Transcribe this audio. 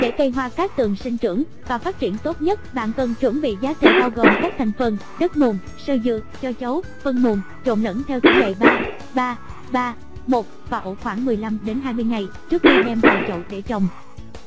để cây hoa cát tường sinh trưởng và phát triển tốt nhất bạn cần chuẩn bị giá thể bao gồm các thành phần đất mùn xơ dừa tro trấu phân mùn trộn lẫn theo tỉ lệ và ủ khoảng ngày trước khi đem vào chậu để trồng